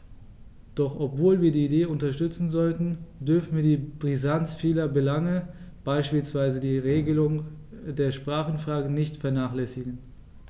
Doch obwohl wir die Idee unterstützen sollten, dürfen wir die Brisanz vieler Belange, beispielsweise die Regelung der Sprachenfrage, nicht vernachlässigen.